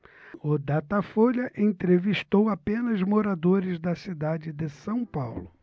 o datafolha entrevistou apenas moradores da cidade de são paulo